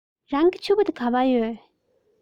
རང གི ཕྱུ པ དེ ག པར ཡོད